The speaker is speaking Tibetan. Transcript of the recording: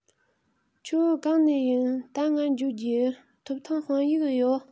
ཁྱོད གང ནས ནིས ད གང ང འགྱོ རྒྱུ ཐོབ ཐང དཔང ཡིག ཨེ ཡོད